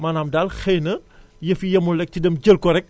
maanaam daal xëy na yëf yi yemul rek si dem jël ko rek